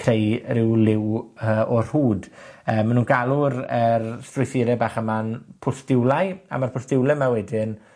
creu ryw liw yy o rhwd. Yy ma' nw'n galw'r yr strwythure bach yma'n pwstiwlau a ma'r pwstiwle 'ma wedyn